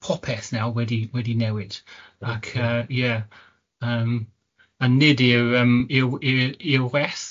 popeth nawr wedi wedi newid ac yy ie yym a nid i'r yym i'r i'r i'r gweth.